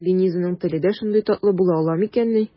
Ленизаның теле дә шундый татлы була ала микәнни?